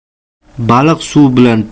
baliq suv bilan